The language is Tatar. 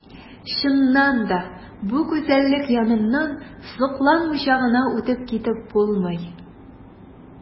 Чыннан да бу гүзәллек яныннан сокланмыйча гына үтеп китеп булмый.